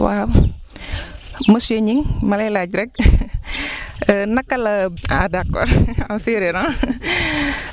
waaw monsieur Gningue ma lay laaj rek naka la ah d' accord en séeréer ah